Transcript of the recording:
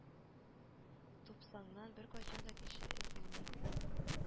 Тупсаңнан беркайчан да кеше өзелми